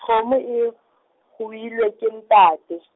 kgomo e, ruilwe ke ntate.